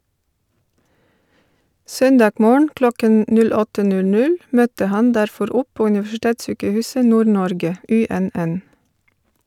Søndag morgen klokken 08:00 møtte han derfor opp på Universitetssykehuset Nord-Norge (UNN).